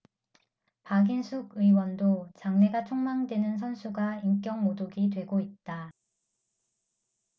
박인숙 의원도 장래가 촉망되는 선수가 인격모독이 되고 있다